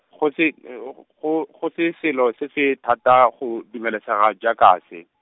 go se, go, go se selo, se se, thata, go dumelesega, jaaka se.